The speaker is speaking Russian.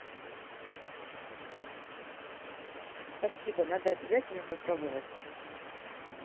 спасибо надо обязательно попробовать